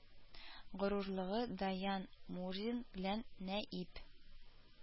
Горурлыгы даян мурзин белән нәип